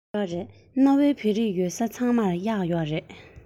ཡོད རེད གནའ བོའི བོད རིགས ཡོད ས ཚང མར གཡག ཡོད རེད